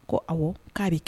Ko aw k'a bɛ kɛ